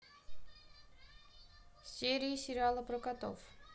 серии сериала про котов